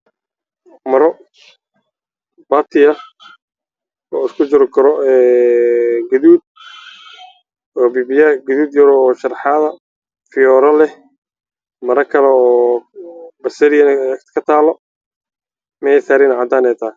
Waa mari baati oo guduud